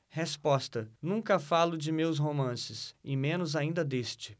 resposta nunca falo de meus romances e menos ainda deste